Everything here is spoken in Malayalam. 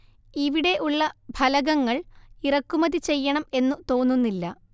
ഇവിടെ ഉള്ള ഫലകങ്ങൾ ഇറക്കുമതി ചെയ്യണം എന്നു തോന്നുന്നില്ല